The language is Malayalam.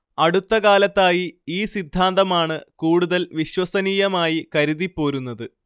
അടുത്ത കാലത്തായി ഈ സിദ്ധാന്തമാണ് കൂടുതൽ വിശ്വസനീയമായി കരുതിപ്പോരുന്നത്‌